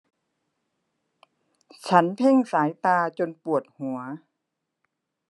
ฉันเพ่งสายตาจนปวดหัว